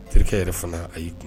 Terikɛ yɛrɛ fana a y'i kun